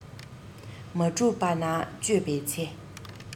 མ གྲུབ པ ན དཔྱོད པའི ཚེ